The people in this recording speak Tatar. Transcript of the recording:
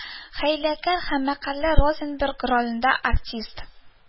Хәй ләкәр һәм мәкерле розенберг ролендә артист